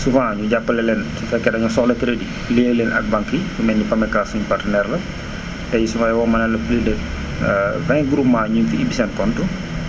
souvent ñu jàppale leen su fekkee dañoo soxla crédit lié leen ak banque yi ku mel ni Pamecas suñu partenaire la tey si su ma yeboo ma ne la plus de 20 groupement ñu ngi fi ubbi seen compte